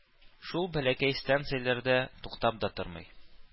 Шул бәләкәй станцияләрдә туктап та тормый.